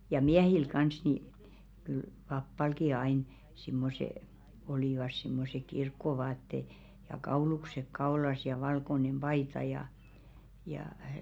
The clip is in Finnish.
ja miehillä kanssa niin kyllä papallakin aina semmoiset olivat semmoiset kirkkovaatteet ja kaulukset kaulassa ja valkoinen paita ja ja